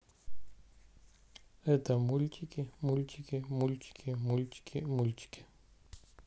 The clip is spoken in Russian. это мультики мультики мультики мультики мультики